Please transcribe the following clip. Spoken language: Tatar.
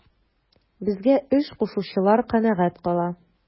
Безгә эш кушучылар канәгать кала.